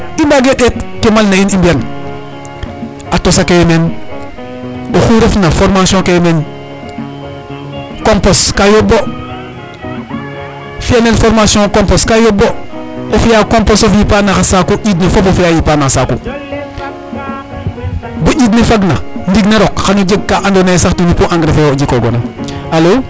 I mbagee ɗeet ke malna in i mbi'an .A tos ake way meen oxu refna formation ke way meen compos ka yooɓ bo fi'anel formation compos ka yooɓ bo o fi'aa composof yipaa na xa saaku ƴiiɗ ne fop o fi'aa yipa na xa saaku bo ƴiid ne fag na ndiig ne rok xan jeg ka andoona yee sax ten xupu engrais fe jikoogoona. alo.